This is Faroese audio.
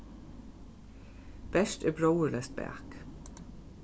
bert er bróðurleyst bak